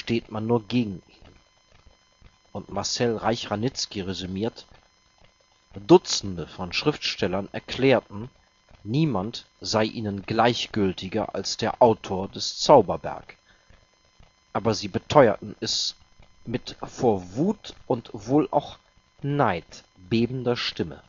man nur gegen ihn. Und Marcel Reich-Ranicki resümiert: „ Dutzende von Schriftstellern erklärten, niemand sei ihnen gleichgültiger als der Autor des Zauberberg. Aber sie beteuerten es mit vor Wut und wohl auch Neid bebender Stimme